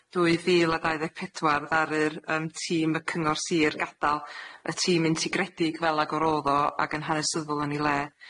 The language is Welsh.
dwy fil a dau ddeg pedwar, ddaru yym tîm y cyngor sir gadal y tîm intigredig fel ag yr o'dd o, ag yn hanesyddol yn 'i le.